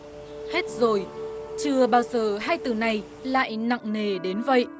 hết rồi chưa bao giờ hai từ này lại nặng nề đến vậy